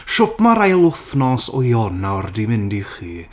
Shwt mae'r ail wythnos o Ionawr 'di mynd i chi.